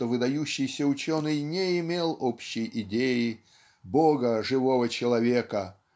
что выдающийся ученый не имел общей идеи бога живого человека